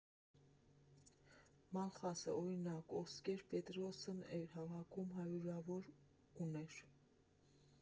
Մալխասը, օրինակ, Օսկեր Պետերսոն էր հավաքում՝ հարյուրավոր ուներ։